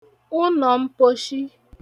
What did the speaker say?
ụnọ̀ mposhi